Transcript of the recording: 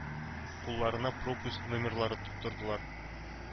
Кулларына пропуск номерлары тоттырдылар.